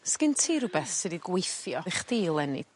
Sgin ti rwbeth sy 'di gweithio i chdi eleni?